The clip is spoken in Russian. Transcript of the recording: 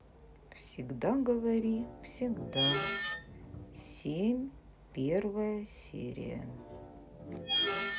всегда говори всегда семь первая серия